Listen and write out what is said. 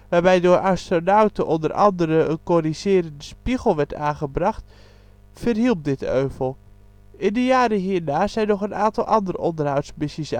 waarbij door astronauten onder andere een corrigerende spiegel werd aangebracht verhielp dit euvel. In de jaren hierna zijn nog een aantal andere onderhoudsmissies